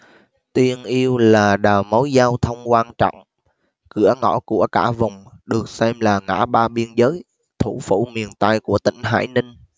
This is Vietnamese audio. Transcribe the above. tiên yên là đầu mối giao thông quan trọng cửa ngõ của cả vùng được xem là ngã ba biên giới thủ phủ miền tây của tỉnh hải ninh